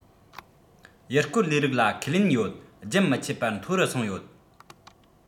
ཡུལ སྐོར ལས རིགས ལ ཁས ལེན ཡོད རྒྱུན མི ཆད པར མཐོ རུ སོང ཡོད